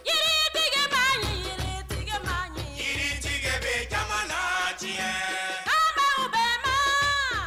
Jtigiba hinɛtigiba ɲi yiritigi bɛ jama la diɲɛ faama bɛ bɔ